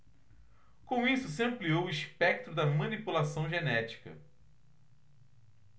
com isso se ampliou o espectro da manipulação genética